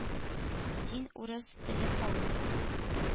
Син — «урыс телле халык».